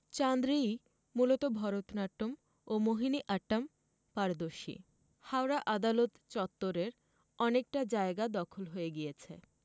চান্দ্রেয়ী মূলত ভরতনাট্যম ও মোহিনী আট্টাম পারদর্শী হাওড়া আদালত চত্বরের অনেকটা জায়গা দখল হয়ে গিয়েছে